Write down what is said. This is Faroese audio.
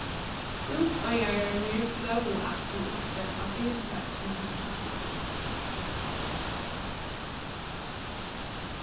húsaeigararnir svóvu aftur uppi á biltakinum uttanfyri